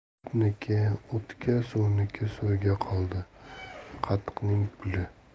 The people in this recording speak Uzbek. o'tniki o'tga suvniki suvga qoldi qatiqning puli